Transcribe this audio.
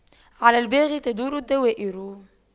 على الباغي تدور الدوائر